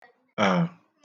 à